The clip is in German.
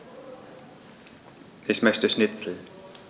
Ich möchte Schnitzel.